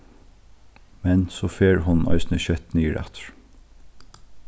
men so fer hon eisini skjótt niður aftur